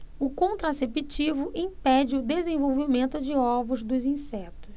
o contraceptivo impede o desenvolvimento de ovos dos insetos